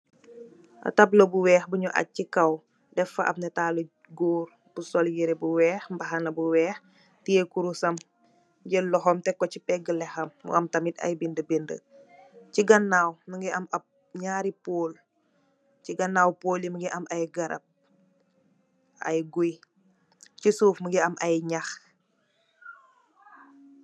Tabla bu wèèx bu ñu aj ci kaw dèf fa ap nitali gór bu sol yirèh bu wèèx mbàxna bu wèèx, teyeh kurus am, jél loxom tèk ku ci pegga lexam mu am tamit, mu am tamit ay bindi bindi ci ganaw wam mugii am ap ñaari pool, ci ganaw pool yi mugii am ay garap ay guy, ci suuf mugii am ay ñax.